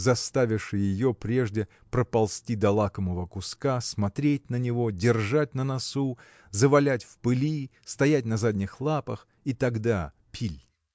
заставивши ее прежде проползти до лакомого куска смотреть на него держать на носу завалять в пыли стоять на задних лапах и тогда – пиль!